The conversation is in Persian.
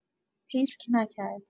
ریسک نکرد